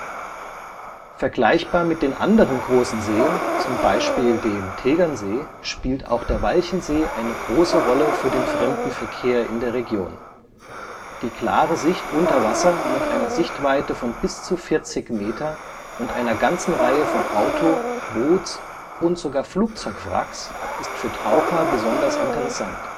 Vergleichbar mit den anderen großen Seen, z. B. dem Tegernsee, spielt auch der Walchensee eine große Rolle für den Fremdenverkehr in der Region. Die klare Sicht unter Wasser mit einer Sichtweite von bis zu 40 Meter und einer ganzen Reihe von Auto -, Boots - und sogar Flugzeugwracks ist für Taucher besonders interessant